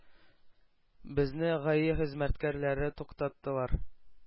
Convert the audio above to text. Безне гаи хезмәткәрләре туктаттылар,